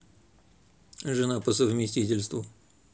жена по совместительству